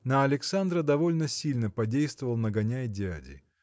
На Александра довольно сильно подействовал нагоняй дяди.